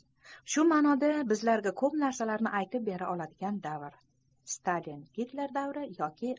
shu ma'noda bizlarga ko'p narsalarni aytib bera oladigan davr stalingitler davri yoki